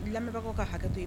Lamɛnbagaw ka hakɛto yen